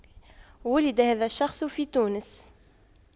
ولد هذا الشخص في تونس